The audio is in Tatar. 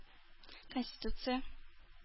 Конституция